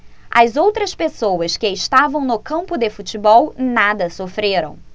as outras pessoas que estavam no campo de futebol nada sofreram